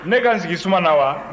ne ka n sigi suma na wa